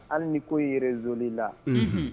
Hali ni ko yɛrɛzoli la